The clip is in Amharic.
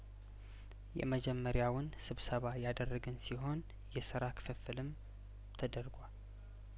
የመጀመሪያውን ስብሰባ ያደረግን ሲሆን የስራ ክፍፍልም ተደርጓል